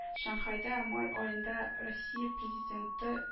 Шанхайда май аенда Россия Президенты